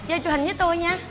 dô chụp hình dới tui nha